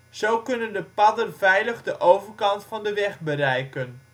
Zo kunnen de padden veilig de overkant van de weg bereiken